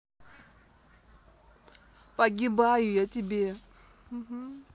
погибаю я тебе